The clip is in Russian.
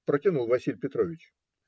- протянул Василий Петрович.